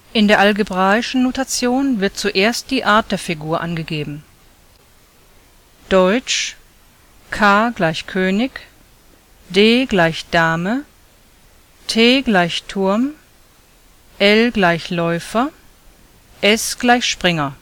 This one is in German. In der Algebraischen Notation wird zuerst die Art der Figur angegeben: Deutsch: K = König, D = Dame, T = Turm, L = Läufer, S = Springer